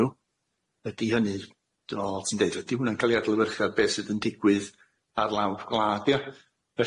nw, ydi hynny dwi me'wl ti'n deud ydi hwnna'n ca'l i adlewyrch ar beth sydd yn digwydd ar lawr gwlad ia?